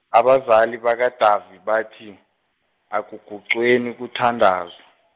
abazali bakaDavi bathi, akuguqweni kuthandaz- .